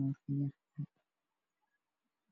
nooca